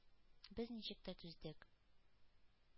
Без ничек тә түздек.